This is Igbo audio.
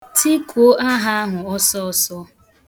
Tikuo aha ahụ ọsọọsọ.